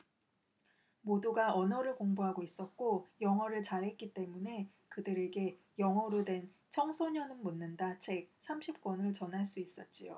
모두가 언어를 공부하고 있었고 영어를 잘했기 때문에 그들에게 영어로 된 청소년은 묻는다 책 삼십 권을 전할 수 있었지요